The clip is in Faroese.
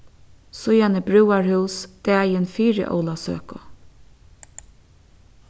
síðani brúðarhús dagin fyri ólavsøku